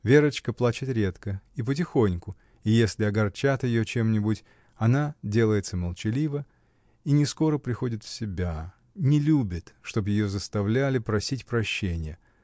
Верочка плачет редко и потихоньку, и если огорчат ее чем-нибудь, она делается молчалива и нескоро приходит в себя, не любит, чтоб ее заставляли просить прощенья.